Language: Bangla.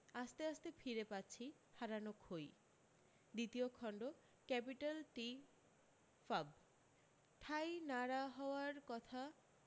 আস্তে আস্তে ফিরে পাচ্ছি হারানো খই দ্বিতীয় খণ্ড ক্যাপিটাল টি ফাব ঠাঁই নাড়া হওয়ার কথা